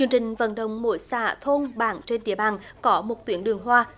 chương trình vận động mỗi xã thôn bản trên địa bàn có một tuyến đường hoa